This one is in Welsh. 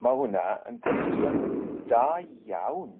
Ma' hwnna yn gwestiwn da iawn...